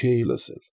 Չէի լսել։